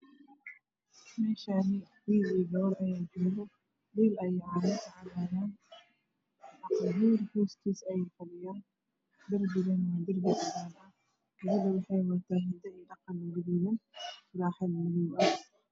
Meeshaani wiil iyo gabar ayaa ka muuqda aqal hori agtiisa ayey fadhiyaan darbigana waa cadaan gabadhana waxay wadataa hidiyo dhaqan